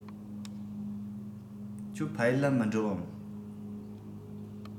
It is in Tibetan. ཁྱོད ཕ ཡུལ ལ མི འགྲོ འམ